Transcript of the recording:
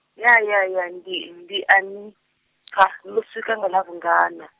ya ya ya ndi ndi a nipfa, no swika nga ḽa vhungana?